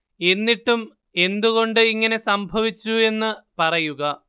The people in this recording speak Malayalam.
എന്നിട്ടും എന്ത് കൊണ്ട് ഇങ്ങനെ സംഭവിച്ചു എന്ന് പറയുക